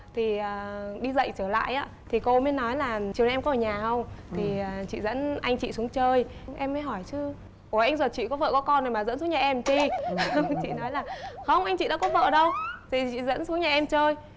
thì à đi dậy trở lại ý ạ thì cô mí nói là chiều nay em có ở nhà hông thì chị dẫn anh chị xuống chơi em mí hỏi chứ ủa anh nhà chị có vợ có con rồi mà dẫn xuống nhà em chi chị nói là hông anh chị đã có vợ đâu thì chị dẫn xuống nhà em chơi